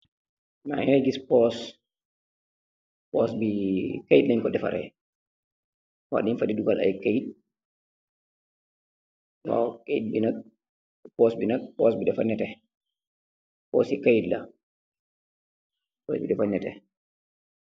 Mageh giss poss poss bi keyt len ko defareh wa nyun fa di dugal ay keyt lool keyt bi nak puss bi nak poss bi dafa netex posi keyt la poss bi dafa netex.